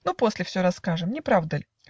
но после все расскажем, Не правда ль?